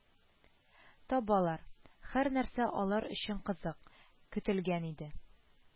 Табалар, һәрнәрсә алар өчен кызык, көтелгән иде